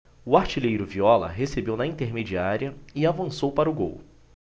o artilheiro viola recebeu na intermediária e avançou para o gol